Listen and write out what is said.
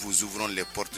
Fuuur de pote